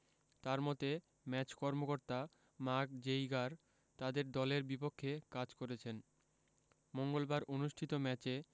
তার মতে ম্যাচ কর্মকর্তা মার্ক জেইগার তাদের দলের বিপক্ষে কাজ করেছেন মঙ্গলবার অনুষ্ঠিত ম্যাচে